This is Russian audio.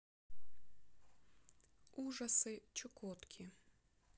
ужасы чукотки